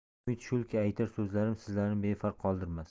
umid shulki aytar so'zlarim sizlarni befarq qoldirmas